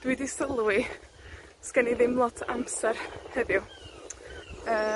Dwi 'di sylwi, 'sgen i ddim lot o amser heddiw, yy,